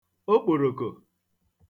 okpòròkò